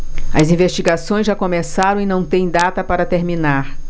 as investigações já começaram e não têm data para terminar